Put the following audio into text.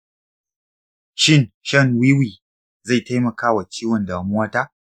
shin shan wiwi zai taimakawa ciwon damuwa ta?